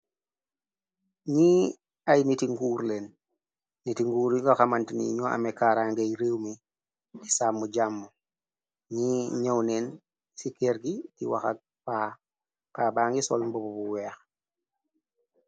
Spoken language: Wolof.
ñi ay niti nguur leen niti nguur y gaxamant ni ñoo ame kaara ngay réew mi di sàmmu jàmm ñi ñëw neen ci ker gi di waxa paaba ngi sol mbob bu weex